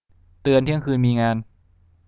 เตือนเที่ยงคืนมีงาน